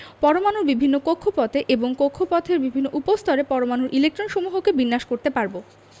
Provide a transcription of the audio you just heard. পরমাণুর বিভিন্ন কক্ষপথে এবং কক্ষপথের বিভিন্ন উপস্তরে পরমাণুর ইলেকট্রনসমূহকে বিন্যাস করতে পারব